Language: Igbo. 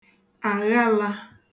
àghalā